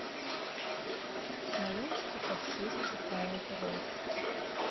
смоленский таксист читает рэп